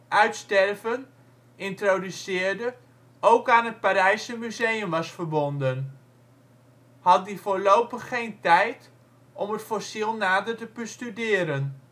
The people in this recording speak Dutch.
uitsterven ", introduceerde, ook aan het Parijse museum was verbonden, had die voorlopig geen tijd om het fossiel nader te bestuderen